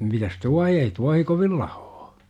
mitäs tuohi ei tuohi kovin lahoa